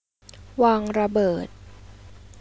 วางระเบิด